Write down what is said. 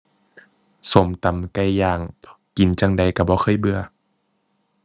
ส้มตำไก่ย่างกินจั่งใดก็บ่เคยเบื่อ